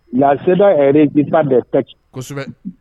Lada jifa bɛ kosɛbɛ